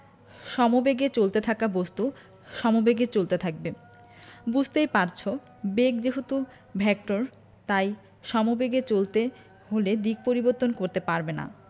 সমেবেগে চলতে থাকা বস্তু সমেবেগে চলতে থাকবে বুঝতেই পারছ বেগ যেহেতু ভেক্টর তাই সমবেগে চলতে হলে দিক পরিবর্তন করতে পারবে না